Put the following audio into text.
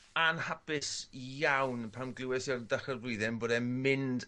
anhapus iawn pan glywes i ar dechre'r flwyddyn bod e'n mynd